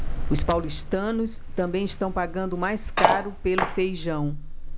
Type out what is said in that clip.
os paulistanos também estão pagando mais caro pelo feijão